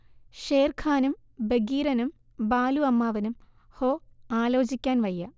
ഷേർഖാനും ബഗീരനും ബാലു അമ്മാവനും ഹോ ആലോചിക്കാൻ വയ്യ